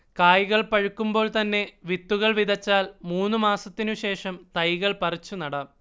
കായ്കൾ പഴുക്കുമ്പോൾത്തന്നെ വിത്തുകൾ വിതച്ചാൽ മൂന്നുമാസത്തിനുശേഷം തൈകൾ പറിച്ചുനടാം